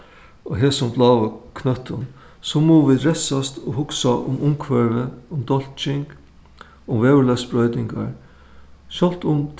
á hesum bláa knøttum so mugu vit ressast og hugsa um umhvørvið um dálking um veðurlagsbroytingar sjálvt um